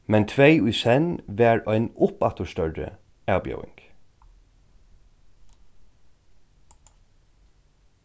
men tvey í senn var ein upp aftur størri avbjóðing